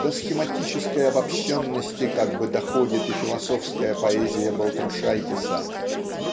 до схематической обобщенности как бы доходит и философская поэзия Балтрушайтиса